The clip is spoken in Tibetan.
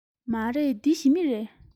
མ རེད འདི ཞི མི རེད